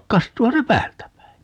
kastuuhan se päältä päin